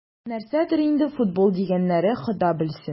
Нәрсәдер инде "футбол" дигәннәре, Хода белсен...